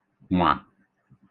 -nwà